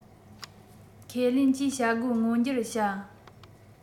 ཁས ལེན གྱིས བྱ རྒོད མངོན འགྱུར བྱ